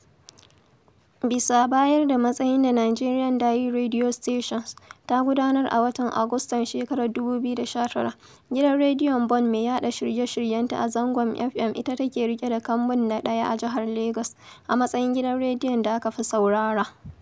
Bisa bayar da matsayin da 'Nigeria Diary Radio Stations ' ta gudanar a watan Agustan shekarar 2019, Gidan Rediyon Bond mai yaɗa shirye-shiryenta a zangon FM ita take riƙe da kambun na 1 a Jihar Lagos, a matsayin gidan rediyon da aka fi saurara.